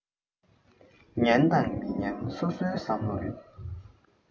ཉན དང མི ཉན སོ སོའི བསམ བློ རེད